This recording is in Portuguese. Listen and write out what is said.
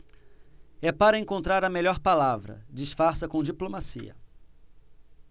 é para encontrar a melhor palavra disfarça com diplomacia